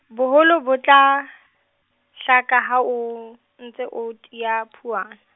boholo bo tla, hlaka ha o, ntse o tiya phuwana.